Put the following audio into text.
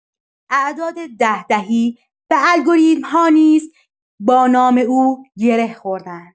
اعداد ده‌دهی و الگوریتم‌ها نیز با نام او گره خورده‌اند.